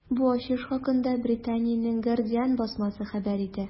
Бу ачыш хакында Британиянең “Гардиан” басмасы хәбәр итә.